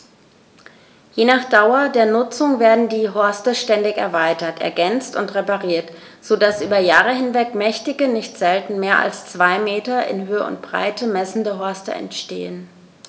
Je nach Dauer der Nutzung werden die Horste ständig erweitert, ergänzt und repariert, so dass über Jahre hinweg mächtige, nicht selten mehr als zwei Meter in Höhe und Breite messende Horste entstehen.